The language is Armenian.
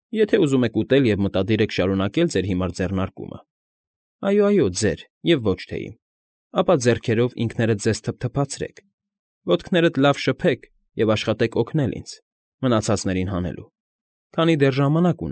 Եթե ուզում եք ուտել և մտադիր եք շարունակել ձեր հիմար ձեռնարկությունը (այո՛, այո՛, ձեր, և ոչ թե իմ), ապա ձեռքերով ինքներդ ձեզ թփթփացրեք, ոտքներդ լավ շփեք և աշխատեք օգնել ինձ՝ մնացածներին հանելու, քանի դեռ ժամանակ։